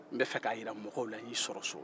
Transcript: n b'a fe ka jira mɔgɔw la ko n y'i sɔrɔ so